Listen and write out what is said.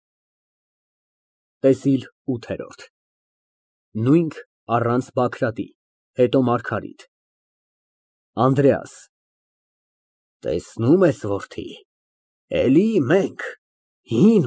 ՏԵՍԻԼ ՈՒԹԵՐՈՐԴ ԱՆԴՐԵԱՍ, ՕԹԱՐՅԱՆ, ՍԱՂԱԹԵԼ, հետո ՄԱՐԳԱՐԻՏ ԱՆԴՐԵԱՍ ֊ Տեսնում ես, որդի, էլի մենք, հին։